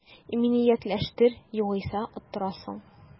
Иминиятләштер, югыйсә оттырасың